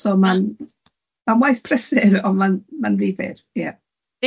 Yym so ma'n ma'n waith prysur, ond ma'n ma'n ddifyr, ie.